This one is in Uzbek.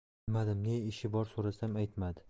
bilmadim ne ishi bor so'rasam aytmadi